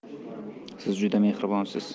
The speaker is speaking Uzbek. siz juda mehribonsiz